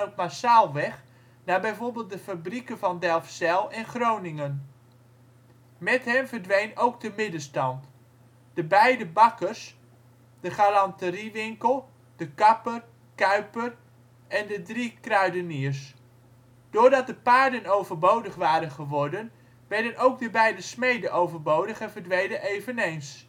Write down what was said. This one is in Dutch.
massaal weg naar bijvoorbeeld de fabrieken van Delfzijl en Groningen. Met hen verdween ook de middenstand: De beide bakkers, de galanteriewinkel, de kapper, kuiper en de drie kruideniers. Doordat de paarden overbodig waren geworden, werden ook de beide smeden overbodig en verdwenen eveneens